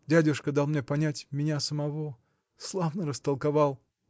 Дядюшка дал мне понять меня самого: славно растолковал!